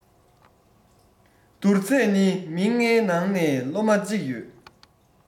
བསྡུར ཚད ནི མི ལྔའི ནང ན སློབ མ གཅིག ཡོད